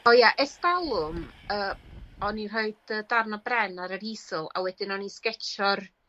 O ia e's dalwm yy o'n i rhoid yy darn o bren ar yr easel a wedyn o'n i'n sgetsio'r